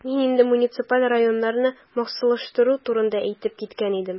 Мин инде муниципаль районнарны махсуслаштыру турында әйтеп киткән идем.